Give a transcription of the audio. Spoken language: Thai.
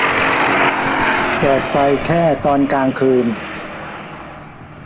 เปิดไฟแค่ตอนกลางคืน